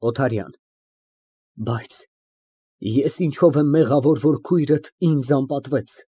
ՕԹԱՐՅԱՆ ֊ Բայց ե՞ս ինչով եմ մեղավոր, որ հայրդ ինձ անպատվեց։